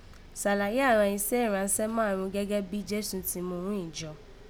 Sàlàyé àghan isẹ́ ìránṣẹ́ márààrún gẹ́gẹ́ bí Jésù ti mú ghún ìjọ